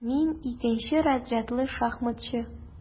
Мин - икенче разрядлы шахматчы.